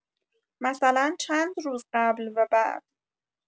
مثلا چند روز قبل و بعد؟